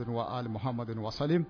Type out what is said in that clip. Mohamadu wa salimu